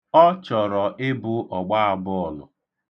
Ọ chọrọ ịbụ ọgbaabọọlụ.